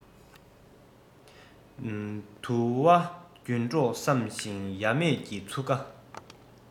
དུ བ རྒྱུན གྲོགས བསམ ཞིང ཡ མེད ཀྱི ཚུགས ཀ